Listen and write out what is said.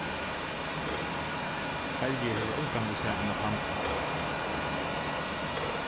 terji hevur ongantíð sæð eina pandu